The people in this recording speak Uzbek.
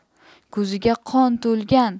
ko'ziga qon to'lgan